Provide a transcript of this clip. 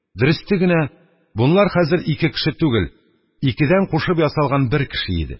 Дөресте генә, бунлар хәзер ике кеше түгел, икедән кушып ясалган бер кеше иде